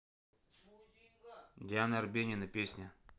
диана арбенина песня